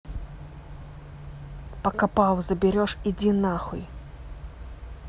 пока пауза берешь иди нахуй